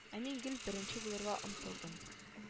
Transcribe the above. Ә мин гел беренче булырга омтылдым